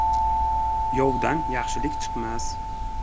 yovdan yaxshilik chiqmas